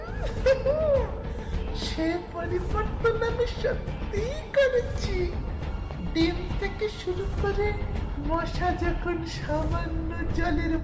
সেই পরিবর্তন আমি সত্যিই করেছি ডিম থেকে শুরু করে মশা যখন সামান্য জলের